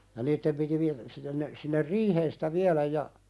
ja niiden piti - sinne ne sinne riiheen sitä viedä ja